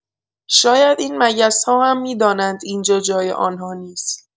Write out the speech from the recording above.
شاید این مگس‌ها هم می‌دانند اینجا جای آنها نیست.